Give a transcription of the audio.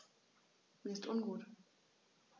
Mir ist ungut.